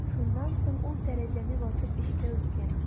Шуннан соң ул тәрәзәне ватып эчкә үткән.